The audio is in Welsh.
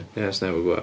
Ia, 'sa neb yn gwbod.